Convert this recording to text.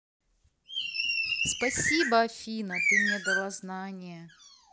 спасибо афина ты мне дала знания